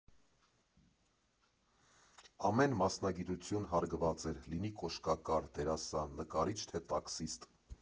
Ամեն մասնագիտություն հարգված էր՝ լինի կոշկարար, դերասան, նկարիչ, թե տաքսիստ։